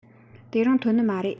དེ རིང ཐོན ནི མ རེད